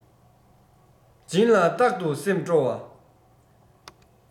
སྦྱིན ལ རྟག ཏུ སེམས སྤྲོ བ